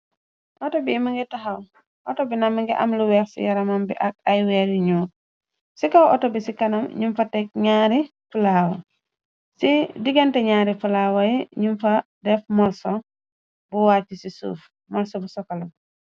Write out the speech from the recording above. Autobi i minga taxaw auto bi na mingi amlu weex ci yaramonm bi ak ay weer yu ñuu ci kaw autobi ci kanam ñum fa te ñaari plaawa ci digante ñaari plawa yi ñum fa def molso bu waacc ci suuf molso bu sokalab.